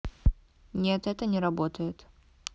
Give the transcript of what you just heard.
нет это не работает